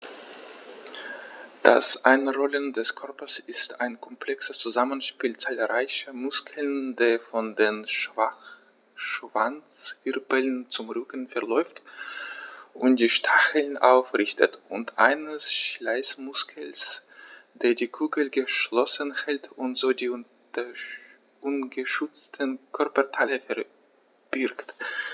Das Einrollen des Körpers ist ein komplexes Zusammenspiel zahlreicher Muskeln, der von den Schwanzwirbeln zum Rücken verläuft und die Stacheln aufrichtet, und eines Schließmuskels, der die Kugel geschlossen hält und so die ungeschützten Körperteile verbirgt.